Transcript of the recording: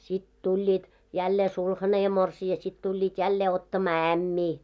sitten tulivat jälleen sulhanen ja morsian sitten tulivat jälleen ottamaan ämmiä